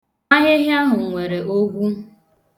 Ahịhịa ahụ nwere ogwu.